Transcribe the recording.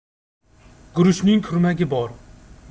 guruchning kurmagi bor